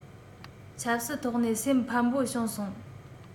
ཆབ སྲིད ཐོག ནས སེམས ཕམས པོ བྱུང སོང